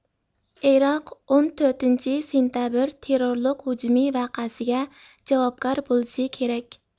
ئىراق ئون تۆتىنچى سېنتەبىر تېررورلۇق ھۇجۇمى ۋەقەسىگە جاۋابكار بولۇشى كېرەك